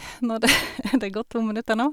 når det Er det gått to minutter nå?